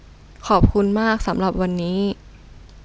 ขอบคุณมากสำหรับวันนี้